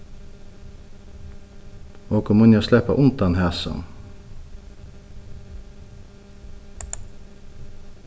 okur munnu sleppa undan hasum